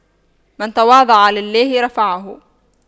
من تواضع لله رفعه